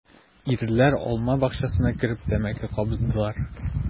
Ирләр алма бакчасына кереп тәмәке кабыздылар.